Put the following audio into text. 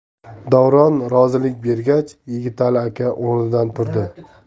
davron rozilik bergach yigitali aka o'rnidan turdi